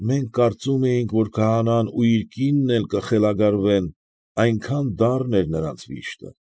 Մենք կարծում էինք, որ քահանան ու իր կինն էլ կխելագարվեն, այնքան դառն էր նրանց վիշտը։